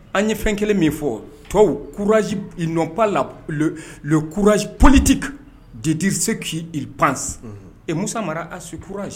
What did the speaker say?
An ye fɛn kelen min fɔ tɔw, courage, ils n'ont pas la le le courage politique de dire ce qui ils pensent , un, et Moussa Mara a ce courage